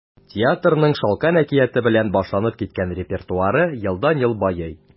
Театрның “Шалкан” әкияте белән башланып киткән репертуары елдан-ел байый.